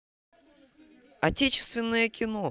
отечественное кино